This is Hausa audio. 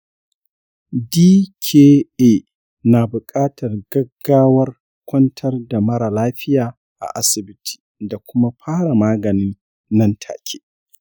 dka na buƙatar gaggawar kwantar da mara lafiya a asibiti da kuma fara magani nan take.